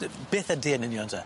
D- beth ydi e yn union te?